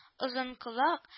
Озынколак